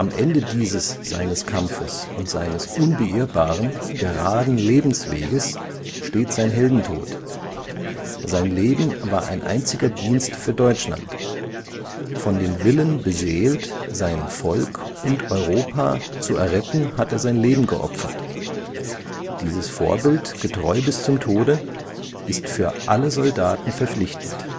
Ende dieses seines Kampfes und seines unbeirrbaren, geraden Lebensweges steht sein Heldentod. Sein Leben war ein einziger Dienst für Deutschland… Von dem Willen beseelt, sein Volk und Europa… zu erretten, hat er sein Leben geopfert. Dieses Vorbild ‘getreu bis zum Tode’ ist für alle Soldaten verpflichtend